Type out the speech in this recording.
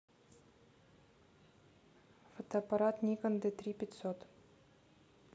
фотоаппарат никон д три пятьсот